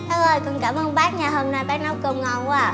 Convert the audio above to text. bác ơi con cảm ơn bác nha hôm nay bác nấu cơm ngon quá à